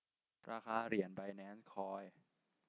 ราคาเหรียญไบแนนซ์คอย